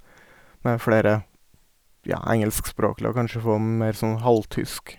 Med flere, ja, engelskspråklige, og kanskje få mer sånn halvtysk.